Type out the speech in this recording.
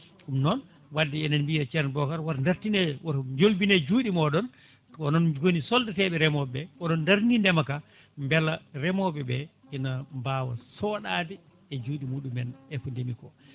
ɗum noon wadde eɗen mbiya ceerno Bocara woto dartine woto jolbine juɗe moɗon ko onoon goni soldateɓe remoɓe oɗon darani ndeemaka beela remoɓeɓeina mbawa soɗade e juɗemu ɗumen eko ndeemi ko